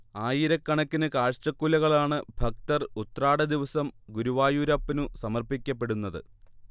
ആയിരക്കണക്കിന് കാഴ്ചകുലകളാണ് ഭക്തർ ഉത്രാടദിവസം ഗുരുവായൂരപ്പനു സമർപ്പിക്കപെടുന്നത്